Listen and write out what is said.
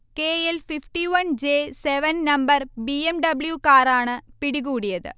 K. L. -Fifty one -J seven number B. M. W കാറാണ് പിടികൂടിയത്